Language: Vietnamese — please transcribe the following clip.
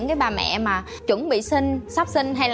các bà mẹ mà chuẩn bị sinh sắp sinh hay